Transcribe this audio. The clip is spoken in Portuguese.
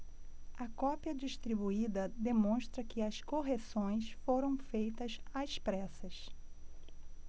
a cópia distribuída demonstra que as correções foram feitas às pressas